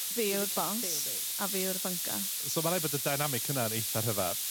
Fi yw'r boss, a fi yw'r fanca. So ma' raid bod y dynamic yna'n eitha rhyfadd.